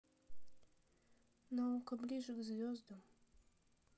наука ближе к звездам